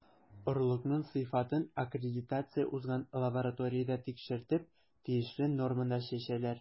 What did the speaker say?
Орлыкның сыйфатын аккредитация узган лабораториядә тикшертеп, тиешле нормада чәчәләр.